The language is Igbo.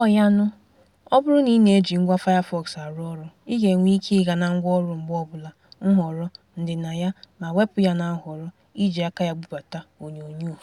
(Ọ yanụ, ọ bụrụ na ị na-eji ngwa Firefox arụ ọrụ, ị ga-enwe ike ị ga na Ngwaọrụ mgbe ọbụla -> Nhọrọ ->Ndịnaya ma wepụ ya na nhọrọ 'iji aka ya bubata onyonyo')